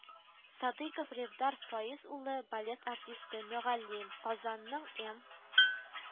Садыйков Ревдар Фәез улы балет артисты, мөгаллим, Казанның эМ